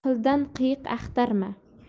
qildan qiyiq axtarma